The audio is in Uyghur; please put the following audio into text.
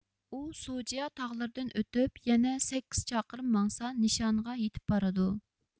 ئۇ سوجيا تاغلىرىدىن ئۆتۈپ يەنە سەككىز چاقىرىم ماڭسا نىشانغا يېتىپ بارىدۇ